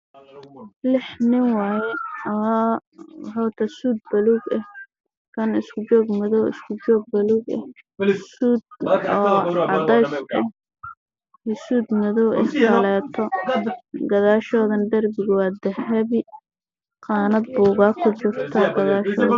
Meeshaan waxaa ka muuqdo lix nin